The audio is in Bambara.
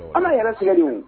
Ala yɛrɛ sɛ jumɛn